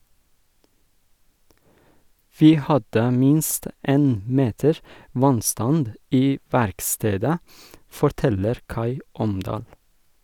- Vi hadde minst én meter vannstand i verkstedet, forteller Kai Omdal.